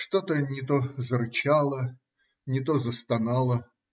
Что-то не то зарычало, не то застонало.